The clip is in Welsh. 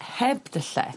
heb dylle